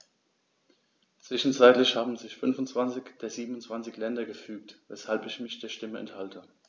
Zwischenzeitlich haben sich 25 der 27 Länder gefügt, weshalb ich mich der Stimme enthalte.